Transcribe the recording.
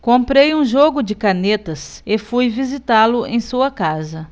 comprei um jogo de canetas e fui visitá-lo em sua casa